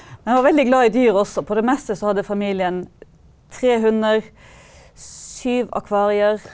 jeg var veldig glad i dyr også på det meste så hadde familien tre hunder, syv akvarier.